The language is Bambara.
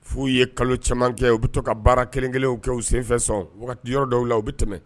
' uu ye kalo caman kɛ u bɛ to ka baara kelenkelen kɛ u senfɛ sɔn yɔrɔ dɔw la u bɛ tɛmɛ